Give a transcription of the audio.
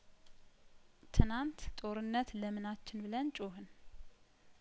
ትናንት ጦርነት ለምናችን ብለን ጮህን